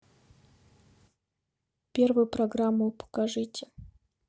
первую программу покажите